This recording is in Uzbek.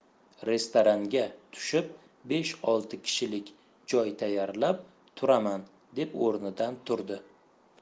restoranga tushib besh olti kishilik joy tayyorlab turaman deb o'rnidan turdi